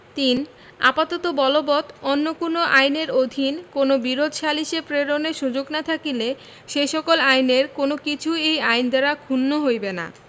৩ আপাতত বলবৎ অন্য কোন আইনের অধীন কোন বিরোধ সালিসে প্রেরণের সুযোগ না থাকিলে সেই সকল আইনের কোন কিছুই এই আইন দ্বারা ক্ষুণ্ণ হইবে না